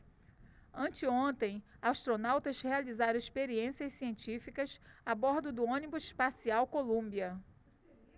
anteontem astronautas realizaram experiências científicas a bordo do ônibus espacial columbia